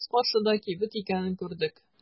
Без каршыда кибет икәнен күрдек.